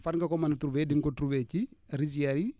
fan nga ko mën a trouver di nga ko trouver ci risières yi